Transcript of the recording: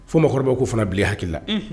Fo mɔgɔkɔrɔba ko fana bilen hakila